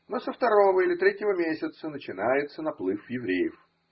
Но со второго или третьего месяца начинается наплыв евреев.